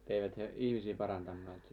eivät he ihmisiä parantaneet sitten